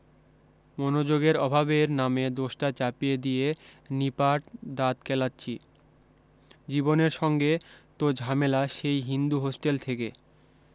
মনোযোগের অভাবের নামে দোষটা চাপিয়ে দিয়ে নিপাট দাঁত কেলাচ্ছি জীবনের সঙ্গে তো ঝামেলা সেই হিন্দু হোস্টেল থেকে